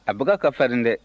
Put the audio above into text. a baga ka farin dɛ